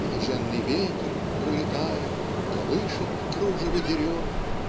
Блаженный ветер, пролетая, Колышет кружево дерев.